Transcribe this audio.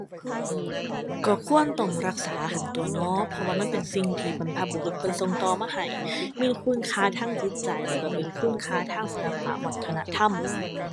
ก็ควรต้องรักษาหั้นตั่วเนาะ เพราะว่ามันเป็นสิ่งที่บรรพบุรุษเพิ่นส่งต่อมาให้ มีคุณค่าทางจิตใจแล้วก็เป็นคุณค่าทางศิลปวัฒนธรรม